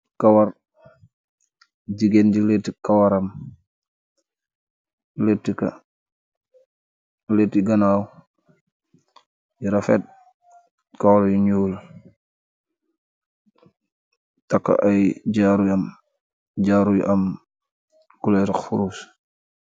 Kawar jigéen di kawarletti ganaaw yara fet kawar yu nuul taka ay jaaruyu am jaaru yu am gulet xurus.